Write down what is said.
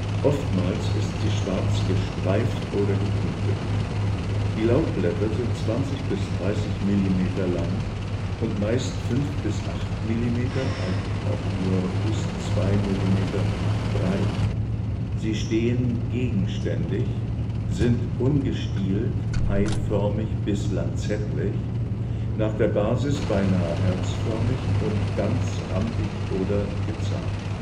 Oftmals ist sie schwarz gestreift oder gepunktet. Die Laubblätter sind 20 bis 30 Millimeter lang und meist fünf bis acht Millimeter (gelegentlich auch nur bis zwei Millimeter) breit. Sie stehen gegenständig, sind ungestielt, eiförmig bis lanzettlich, an der Basis beinahe herzförmig und ganzrandig oder gezahnt